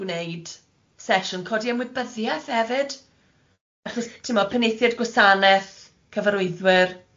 gwneud sesiwn codi ymwybyddieth hefyd, achos timod peniaethiaid gwasanaeth, cyfarwyddwyr.